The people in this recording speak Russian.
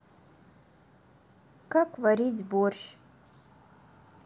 как варить борщ